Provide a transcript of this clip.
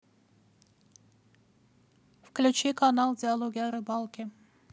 включи канал диалоги о рыбалке